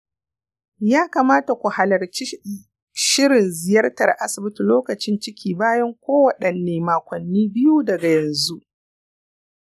ya kamata ku halarci shirin ziyartar asibiti lokacin ciki bayan kowaɗanne makonnin biyu daga yanzu